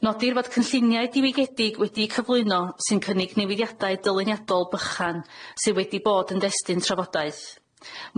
Nodir fod cynlluniau diwygiedig wedi'u cyflwyno sy'n cynnig newyddiadau dyluniadol bychan sy' wedi bod yn destun trafodaeth.